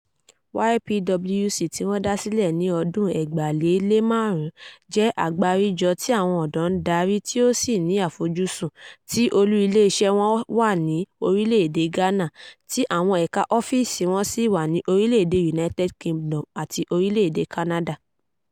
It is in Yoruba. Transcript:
YPWC, tí wọ́n dásílẹ̀ ní ọdún 2005, jẹ́ àgbáríjọ tí ọ̀dọ́ ń darí tí ó sì ní àfojúsùn tí olú-ilé-iṣẹ́ wọn wà ní orílẹ̀-èdè Ghana, tí àwọn ẹ̀ka ọ́fíìsì wọn sì wà ní Orílẹ̀-èdè United Kingdom àti Orílẹ̀-èdè Canada.